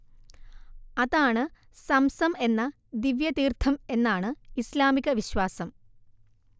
അതാണ് സംസം എന്ന ദിവ്യതീർത്ഥം എന്നാണു ഇസ്ലാമിക വിശ്വാസം